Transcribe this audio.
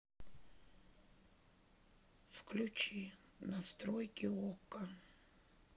включи настройки окко